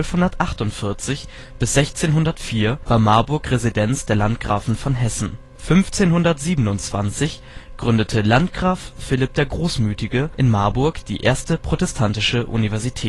1248 bis 1604 war Marburg Residenz der Landgrafen von Hessen 1527 gründete Landgraf Philipp der Großmütige in Marburg die erste protestantische Universität